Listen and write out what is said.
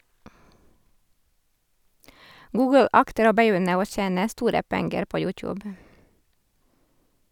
Google akter å begynne å tjene store penger på YouTube.